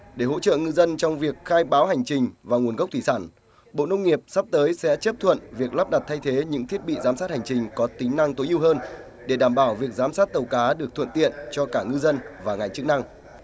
để hỗ trợ ngư dân trong việc khai báo hành trình và nguồn gốc thủy sản bộ nông nghiệp sắp tới sẽ chấp thuận việc lắp đặt thay thế những thiết bị giám sát hành trình có tính năng tối ưu hơn để đảm bảo việc giám sát tàu cá được thuận tiện cho cả ngư dân và ngành chức năng